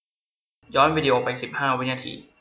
ย้อนวีดีโอไปสิบห้าวินาที